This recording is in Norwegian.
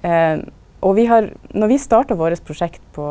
og vi har når vi starta vårt prosjekt på